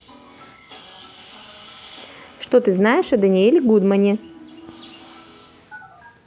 что ты знаешь о дэниэле гудмане